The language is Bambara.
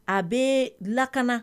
A bɛ dilankana